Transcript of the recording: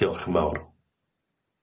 Diolch yn fawr.